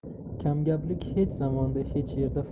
kamgaplik hech zamonda hech yerda